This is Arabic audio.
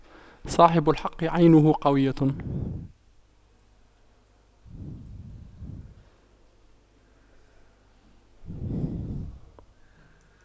صاحب الحق عينه قوية